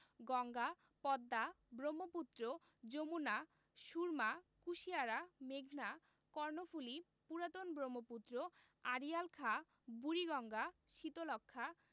গঙ্গা পদ্মা ব্রহ্মপুত্র যমুনা সুরমা কুশিয়ারা মেঘনা কর্ণফুলি পুরাতন ব্রহ্মপুত্র আড়িয়াল খাঁ বুড়িগঙ্গা শীতলক্ষ্যা